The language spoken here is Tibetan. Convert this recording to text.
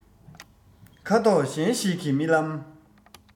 ཁ དོག གཞན ཞིག གི རྨི ལམ